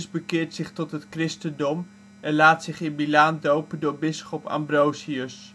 bekeert zich tot het christendom en laat zich in Milaan dopen door bisschop Ambrosius